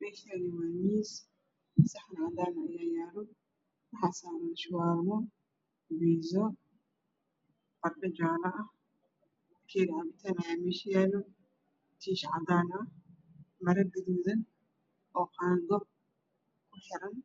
Meshani waa miis saxan cadaan ayaa yaalo waxa saaran shuwaarmo biizo bardho jaala ah bakeeri capita ayaa mesha yaalo tiish cadaana ah mara gaduudan oo qaado ku xiran